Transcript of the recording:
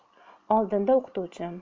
oldinda o'qituvchim